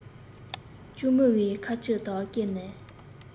གཅུང མོའི ཁ ཆུ དག སྐེ ནས